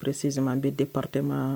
Presisi an bɛ di parte ma